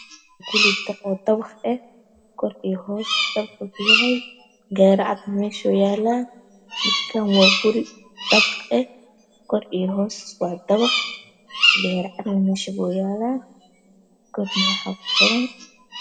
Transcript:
Guro dabaq ah oo kor iyo hos dad daganyihiin gaari cadna meeshuu yalaa midkan wa guri dabaq ah kor iyo hoos waa dabaq gaari cadna meesha waa uu yalaa korna waxaa kuqoran